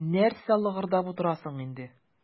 Нәрсә лыгырдап утырасың инде.